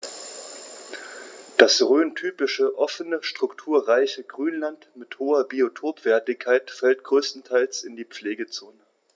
Das rhöntypische offene, strukturreiche Grünland mit hoher Biotopwertigkeit fällt größtenteils in die Pflegezone.